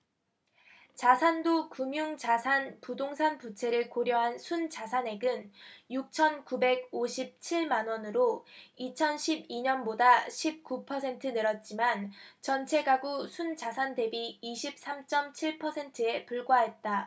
자산도 금융자산 부동산 부채를 고려한 순자산액은 육천 구백 오십 칠 만원으로 이천 십 이 년보다 십 구 퍼센트 늘었지만 전체가구 순자산 대비 이십 삼 쩜 칠 퍼센트에 불과했다